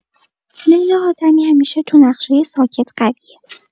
لیلا حاتمی همیشه تو نقشای ساکت قویه.